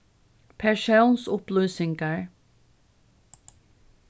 persónsupplýsingar